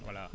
voilà